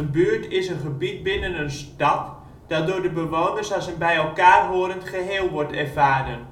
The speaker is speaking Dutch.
buurt is een gebied binnen een stad (bebouwde kom) dat door bewoners als een bij elkaar horend geheel wordt ervaren